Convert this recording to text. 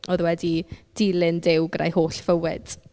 Oedd o wedi dilyn Duw gyda'i holl fywyd.